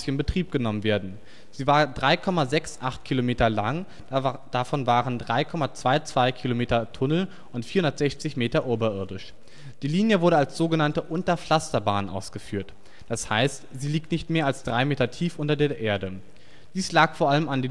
Betrieb genommen werden. Sie war 3,68 Kilometer lang, davon waren 3,22 Kilometer Tunnel und 460 Meter oberirdisch. Die Linie wurde als so genannte Unterpflasterbahn ausgeführt. Das heißt, sie liegt nicht mehr als drei Meter tief unter der Erde. Dies lag vor allem an